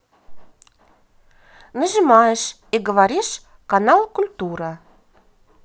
нажимаешь и говоришь канал культура